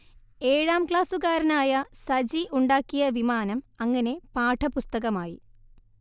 ഏഴാം ക്ലാസ്സുകാരനായ സജി ഉണ്ടാക്കിയ വിമാനം അങ്ങനെ പാഠപുസ്തകമായി